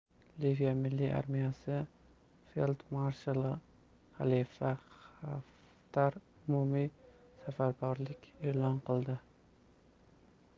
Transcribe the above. liviya milliy armiyasi feldmarshali xalifa xaftar umumiy safarbarlik e'lon qildi